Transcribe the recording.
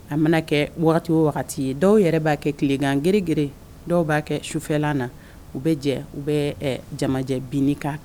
A mana kɛ o wagati ye dɔw yɛrɛ b'a kɛ tilelekan g grin dɔw b'a kɛ sufɛlan na u bɛ jɛ u bɛ jamajɛ binnikan kan